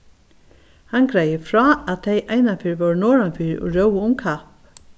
hann greiðir frá at tey einaferð vóru norðanfyri og róðu um kapp